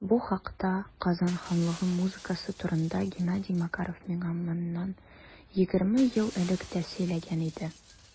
Бу хакта - Казан ханлыгы музыкасы турында - Геннадий Макаров миңа моннан 20 ел элек тә сөйләгән иде.